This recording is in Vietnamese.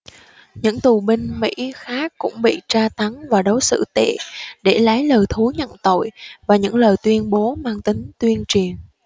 những tù binh mỹ khác cũng bị tra tấn và đối xử tệ để lấy lời thú nhận tội và những lời tuyên bố mang tính tuyên truyền